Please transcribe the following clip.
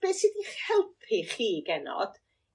Beth sydd 'di'ch helpu chi genod